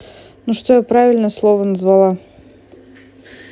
ну что я правильное слово назвала